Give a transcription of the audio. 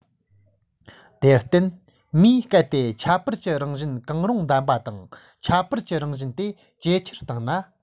དེར བརྟེན མིས གལ ཏེ ཁྱད པར གྱི རང བཞིན གང རུང བདམས པ དང ཁྱད པར གྱི རང བཞིན དེ ཇེ ཆེར བཏང ན